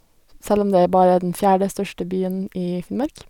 Selv om det er bare den fjerde største byen i Finnmark.